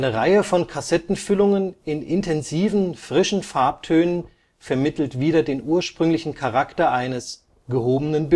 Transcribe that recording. Reihe von Kassettenfüllungen in intensiven, frischen Farbtönen vermittelt wieder den ursprüngliche Charakter eines „ gehobenen